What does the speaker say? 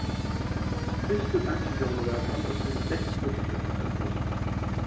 fyrsti tankin hjá honum var at halda seg langt burturi frá eldgosinum